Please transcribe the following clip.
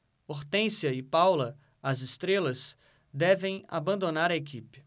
hortência e paula as estrelas devem abandonar a equipe